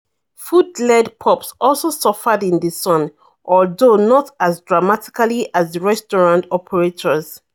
Food-led pubs also suffered in the sun, although not as dramatically as the restaurant operators.